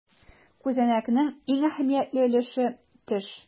Күзәнәкнең иң әһәмиятле өлеше - төш.